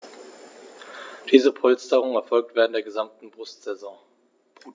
Diese Polsterung erfolgt während der gesamten Brutsaison.